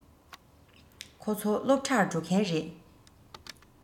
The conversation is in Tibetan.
ཁོ ཚོ སློབ གྲྭར འགྲོ མཁན རེད